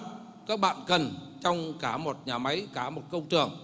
các bạn cần trong cả một nhà máy cả một công trường